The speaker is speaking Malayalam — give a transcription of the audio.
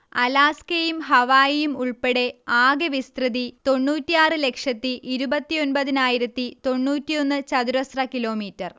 അലാസ്കയും ഹാവായിയും ഉൾപ്പെടേ ആകെ വിസ്തൃതി തൊണ്ണൂറ്റിയാറ് ലക്ഷത്തിയിരുപത്തിയൊൻപതിനായിരത്തി തൊണ്ണൂറ്റിയൊന്ന്ചതുരശ്ര കിലോമീറ്റർ